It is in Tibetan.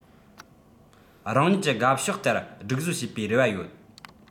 རང ཉིད ཀྱི དགའ ཕྱོགས ལྟར སྒྲིག བཟོ བྱས པའི རེ བ ཡོད